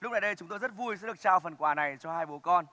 lúc này đây chúng tôi rất vui sẽ được trao phần quà này cho hai bố con